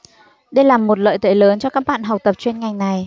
đây là một lợi thế lớn cho các bạn học tập chuyên ngành này